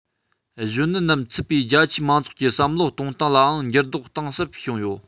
གཞོན ནུ རྣམས ཚུད པའི རྒྱ ཆེའི མང ཚོགས ཀྱི བསམ བློ གཏོང སྟངས ལའང འགྱུར ལྡོག གཏིང ཟབ བྱུང ཡོད